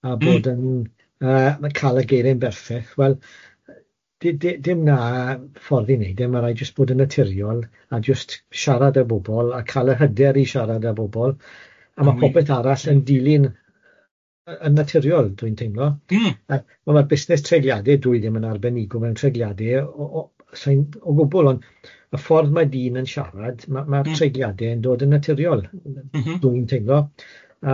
... Hmm. ...a bod yn yy ma' ca'l y geiriau'n berffeth, wel, d- d- dim na ffordd i wneud e, ma' raid jyst bod yn naturiol a jyst siarad â bobl a cal y hyder i siarad â bobl, a ma popeth arall yn dilyn yn naturiol, dwi'n teimlo... Hm. ...a wel ma'r busnes treigliade dwi ddim yn arbenigw mewn treigliade o- o- sai'n o gwbl ond y ffordd ma dyn yn siarad... Hmm. ...ma ma'r treigliade yn dod yn naturiol, dwi'n teimlo, a